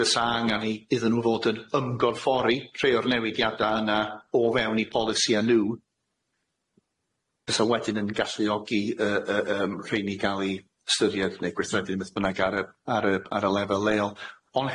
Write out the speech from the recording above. fysa angan i iddyn nw fod yn ymgorffori rhei o'r newidiada yna o fewn i polisia nw fasa wedyn yn galluogi yy yy yym rhein i ga'l i ystyried neu gweithredu ne bynnag ar y ar y ar y lefel leol ond